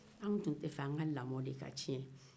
an tun tɛ fɛ an ka lamɔ de ka tiɲɛ